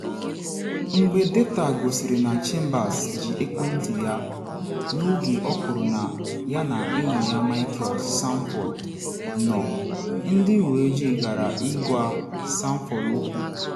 Mgbe data gosiri na Chambers ji ekwentị ya n’oge o kwuru na ya na enyi ya Michael Sanford nọ, ndị uwe ojii gara ịgwa Sanford okwu.